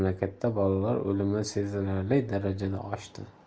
mamlakatda bolalar o'limi sezilarli darajada oshdi